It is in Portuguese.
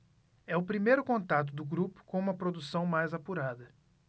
é o primeiro contato do grupo com uma produção mais apurada